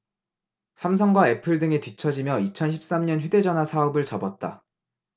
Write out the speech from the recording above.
삼성과 애플 등에 뒤처지며 이천 십 삼 년 휴대전화사업을 접었다